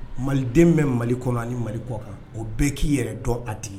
Maliden m bɛ Mali kɔnɔ ani Mali kɔkan o bɛɛ k'i yɛrɛ dɔn a tigi